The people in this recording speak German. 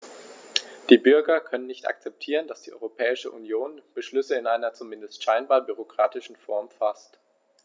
Die Bürger können nicht akzeptieren, dass die Europäische Union Beschlüsse in einer, zumindest scheinbar, bürokratischen Form faßt.